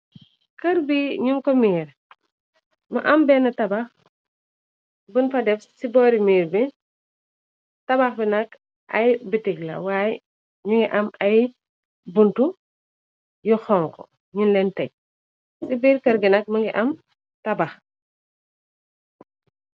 Kër bi ñum ko miir, ma am benn tabax bun fa def, ci boori miir bi tabax bi nak ay bitig la, waaye ñu ngi am ay buntu yu xonk ñun leen tej, ci biir kër gi nak më ngi am tabax.